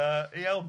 Yy iawn.